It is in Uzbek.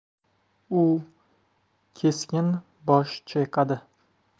u keskin bosh chayqadi